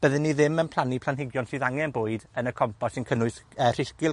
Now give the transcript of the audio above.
bydden i ddim yn plannu planhigion sydd angen bwyd yn y compos syn cynnwys yy rhisgyl